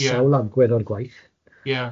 ...sawl agwedd o'r gwaith... Ia.